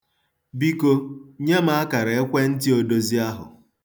Biko, nye m akara ekwntị odozi ahụ.